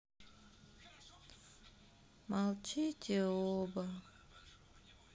молчите оба